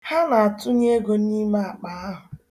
Ha na-atụnye ego n'ime akpa ahụ.